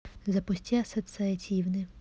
запусти ассоциативный